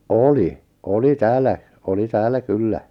oli oli täällä oli täällä kyllä